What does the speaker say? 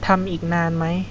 ทำอีกนานไหม